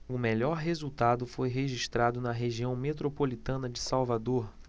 o melhor resultado foi registrado na região metropolitana de salvador